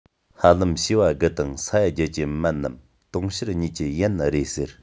ཧ ལམ བྱེ བ དགུ དང ས ཡ བརྒྱད ཀྱི མན ནམ དུང ཕྱུར གཉིས ཀྱི ཡན རེད ཟེར